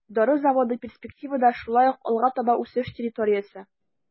Дары заводы перспективада шулай ук алга таба үсеш территориясе.